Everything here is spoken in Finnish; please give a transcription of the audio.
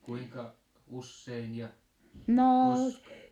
kuinka usein ja koska